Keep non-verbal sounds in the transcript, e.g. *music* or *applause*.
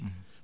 *hesitation* *hesitation*